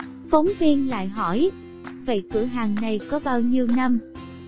phóng viên vậy cửa hàng này có bao nhiêu năm